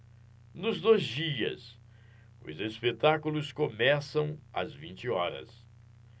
nos dois dias os espetáculos começam às vinte horas